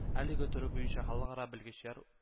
Әлеге төре буенча халыкара белгечләр